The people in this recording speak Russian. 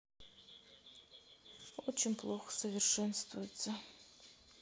очень плохо совершенствуются